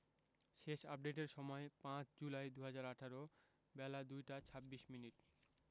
শেষ আপডেটের সময় ৫ জুলাই ২০১৮ বেলা ২টা ২৬মিনিট